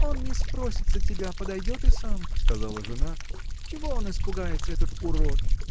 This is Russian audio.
— Он не спросится тебя, подойдет и сам, — сказала жена, — чего он испугается, этот урод?